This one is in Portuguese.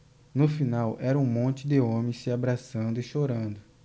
no final era um monte de homens se abraçando e chorando